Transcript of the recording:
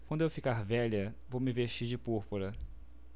quando eu ficar velha vou me vestir de púrpura